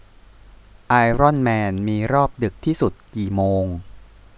ไอรอนแมนมีรอบดึกที่สุดกี่โมง